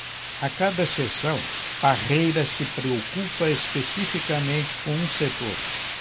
a cada sessão parreira se preocupa especificamente com um setor